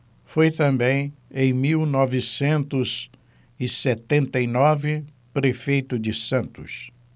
foi também em mil novecentos e setenta e nove prefeito de santos